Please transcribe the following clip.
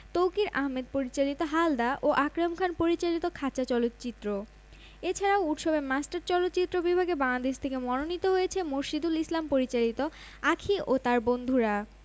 মিম ও সুজন ছাড়াও এ ফটোশ্যুটে চিত্রনায়িকা রাহা তানহা খান মডেল ও অভিনেতা ও রাজ ম্যানিয়ার পাশাপাশি অংশ নেন বোম্বের ফ্যাশন মডেল ভিনিত চৌধুরী ও দিল্লির শায়না সিং